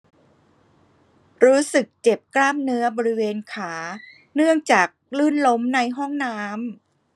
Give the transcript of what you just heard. รู้สึกเจ็บกล้ามเนื้อบริเวณขาเนื่องจากลื่นล้มในห้องน้ำ